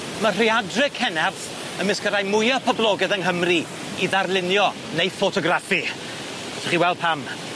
Ma' rhaeadre Cenarth ymysg y rai mwya poblogedd yng Nghymru i ddarlunio neu ffotograffi Allwch chi weld pam.